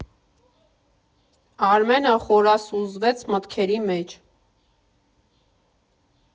Արմենը խորասուզվեց մտքերի մեջ։